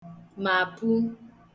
màpu